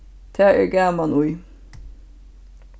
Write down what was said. tað er gaman í